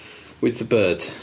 With the bird.